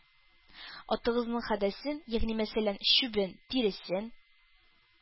Атыгызның хәдәсен, ягъни мәсәлән, чүбен, тиресен.